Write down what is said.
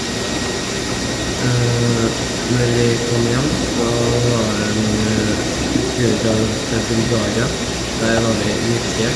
Når vi kom hjem, så var det en skulle vi dra d til Bulgaria Der var vi ei uke.